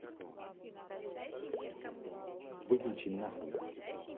выключи на хуй